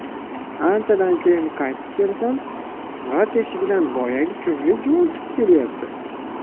anchadan keyin qaytib kelsam vrach eshigidan boyagi ko'hlik juvon chiqib kelyapti